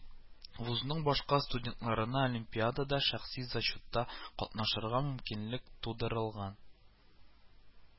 Вузның башка студентларына олимпиадада шәхси зачетта катнашырга мөмкинлек тудырылган